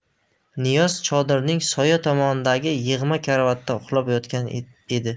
niyoz chodirning soya tomonidagi yig'ma karavotda uxlab yotgan edi